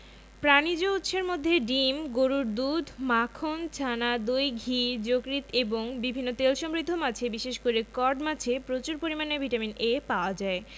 প্রাণিজ উৎসের মধ্যে ডিম গরুর দুধ মাখন ছানা দই ঘি যকৃৎ ও বিভিন্ন তেলসমৃদ্ধ মাছে বিশেষ করে কড মাছে প্রচুর পরিমান ভিটামিন A পাওয়া যায়